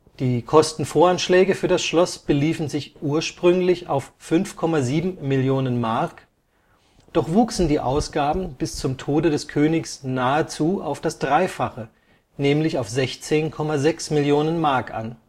Die Kostenvoranschläge für das Schloss beliefen sich ursprünglich auf 5,7 Millionen Mark, doch wuchsen die Ausgaben bis zum Tode des Königs nahezu auf das Dreifache, nämlich auf 16,6 Millionen Mark an